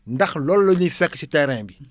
ndax loolu la ñuy fekk si terrain bi